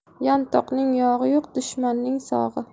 yantoqning yog'i yo'q dushmanning sog'i